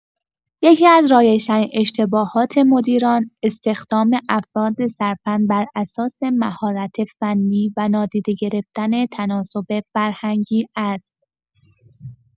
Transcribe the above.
یکی‌از رایج‌ترین اشتباهات مدیران، استخدام افراد صرفا بر اساس مهارت فنی و نادیده گرفتن تناسب فرهنگی است.